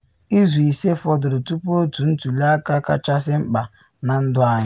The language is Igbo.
“Izu ise fọdụrụ tupu otu ntuli aka kachasị mkpa na ndụ anyị.